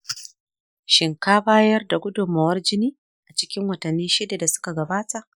shin ka bayar da gudunmawar jini a cikin watanni shida da suka gabata?